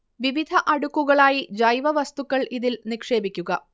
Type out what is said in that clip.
വിവിധ അടുക്കുകളായി ജൈവവസ്തുക്കൾ ഇതിൽ നിക്ഷേപിക്കുക